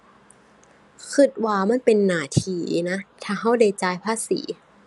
คิดว่ามันเป็นหน้าที่นะ ถ้าคิดได้จ่ายภาษี